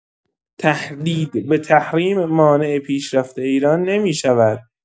تهدید به تحریم مانع پیشرفت ایران نمی‌شود.